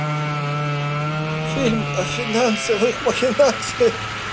фильм о финансовых махинациях